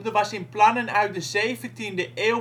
was in plannen uit de zeventiende eeuw